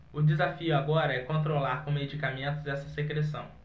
o desafio agora é controlar com medicamentos essa secreção